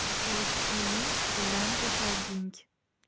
o'z uying o'lan to'shaging